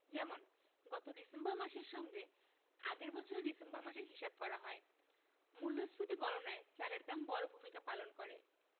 যেমন গত ডিসেম্বর মাসের সঙ্গে আগের বছরের ডিসেম্বর মাসের হিসাব করা হয় মূল্যস্ফীতি গণনায় চালের দাম বড় ভূমিকা পালন করে